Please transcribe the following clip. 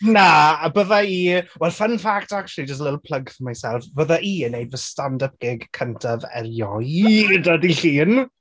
Na, a bydda i... well, fun fact actually, just a little plug for myself. Fydda i yn wneud fy stand-up gig cyntaf erioed ar dydd Llun.